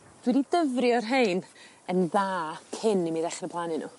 Dwi 'di dyfrio rhein yn dda cyn i mi ddechre plannu n'w.